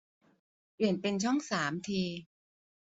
เปลี่ยนเป็นช่องสามที